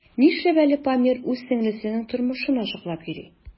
Нишләп әле Памир үз сеңлесенең тормышын ачыклап йөри?